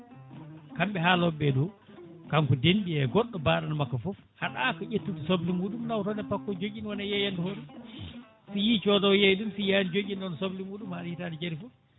kamɓe haaloɓe ɓeɗo kanko denɗi e goɗɗo baaɗono makko foof haaɗaka ƴettu soble muɗum nawata toon e fakka o joɗɗina ne yeyana hoore mum so yii codowo yeeya ɗum so yiiyani joɗɗina soble muɗum ha nde jaari foof